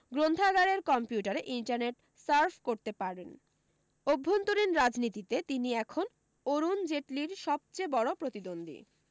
গ্রন্থাগারের কম্পিউটারে internet surf করতে পারেন অভ্যন্তরীণ রাজনীতিতে তিনি এখন অরুণ জেটলির সব চেয়ে বড় প্রতিদ্বন্দ্বী